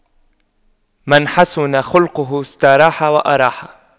من حسن خُلُقُه استراح وأراح